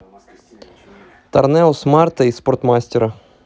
торнео смарта из спортмастера